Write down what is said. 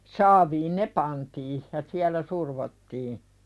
saaviin ne pantiin ja siellä survottiin